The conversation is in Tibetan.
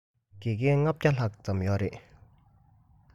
དགེ རྒན ༥༠༠ ཙམ ཡོད རེད